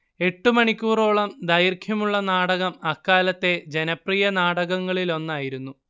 എട്ടുമണിക്കൂറോളം ദൈർഘ്യമുള്ള നാടകം അക്കാലത്തെ ജനപ്രിയ നാടകങ്ങളിലൊന്നായിരുന്നു